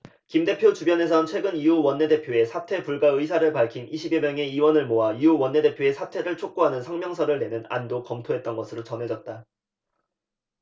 김 대표 주변에선 최근 유 원내대표의 사퇴 불가 의사를 밝힌 이십 여 명의 의원을 모아 유 원내대표의 사퇴를 촉구하는 성명서를 내는 안도 검토했던 것으로 전해졌다